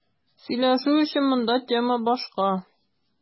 Сөйләшү өчен монда тема башка.